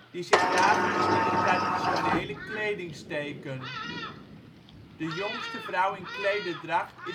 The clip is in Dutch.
die zich dagelijks in de traditionele kleding steken. De jongste vrouw in klederdracht